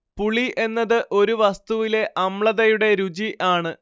പുളി എന്നത് ഒരു വസ്തുവിലെ അമ്ളതയുടെ രുചി ആണ്